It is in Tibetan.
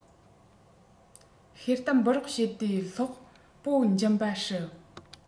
ཤེལ དམ སྦི རག བྱེད དུས སློག སྤོ འབྱིན པ སྲིད